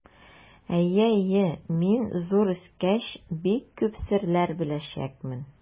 Әйе, әйе, мин, зур үскәч, бик күп серләр беләчәкмен.